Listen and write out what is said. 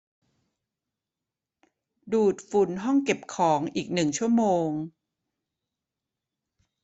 ดูดฝุ่นห้องเก็บของอีกหนึ่งชั่วโมง